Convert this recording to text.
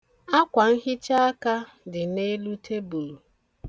Akwanhichaaka dị n'elu tebulu.